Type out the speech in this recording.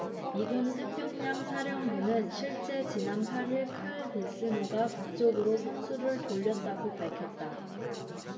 미군 태평양 사령부는 실제 지난 팔 일 칼 빈슨호가 북쪽으로 선수를 돌렸다고 밝혔다